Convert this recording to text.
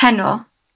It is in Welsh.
Heno